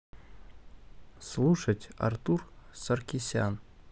слушать артур саркисян